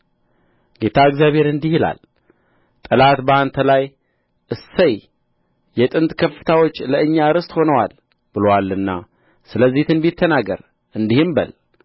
ጌታ እግዚአብሔር እንዲህ ይላል ጠላት በእናንተ ላይ እሰይ የጥንት ከፍታዎች ለእኛ ርስት ሆነዋል ብሎአልና ስለዚህ ትንቢት ተናገር እንዲህም በል